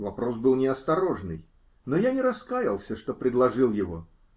Вопрос был неосторожный, но я не раскаялся, что предложил его.